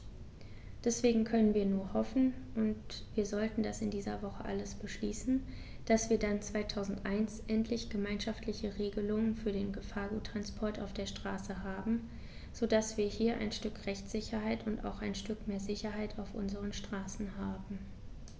Deswegen können wir nur hoffen - und wir sollten das in dieser Woche alles beschließen -, dass wir dann 2001 endlich gemeinschaftliche Regelungen für den Gefahrguttransport auf der Straße haben, so dass wir hier ein Stück Rechtssicherheit und auch ein Stück mehr Sicherheit auf unseren Straßen haben.